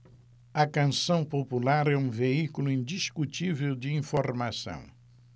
a canção popular é um veículo indiscutível de informação